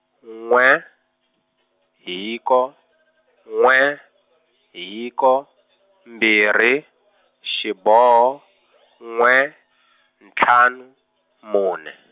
n'we , hiko, n'we, hiko, mbirhi, xiboho, n'we, ntlhanu, mune.